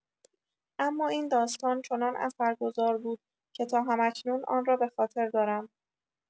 اما این داستان چنان اثرگذار بود که تا هم‌اکنون آن را به‌خاطر دارم.